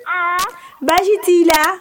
A baasi t'i la